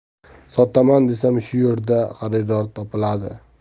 sotaman desam shu yerda xaridor topiladi